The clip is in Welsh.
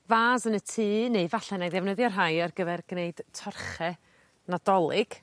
fas yn y tŷ neu 'falle 'nai ddefnyddio rhai ar gyfer gneud torche Nadolig